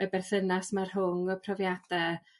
y berthynas 'ma rhwng y profiade